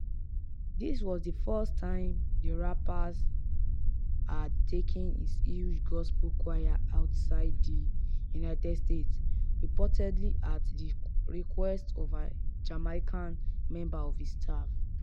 This was the first time the rapper had taken his huge gospel choir outside the United States, reportedly at the request of a Jamaican member of his staff.